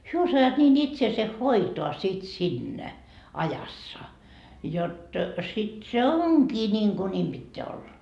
he osaavat niin itsensä hoitaa sitten siinä ajassa jotta sitten se onkin niin kuin niin pitää olla